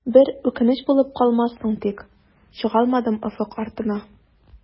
Бер үкенеч булып калмассың тик, чыгалмадым офык артына.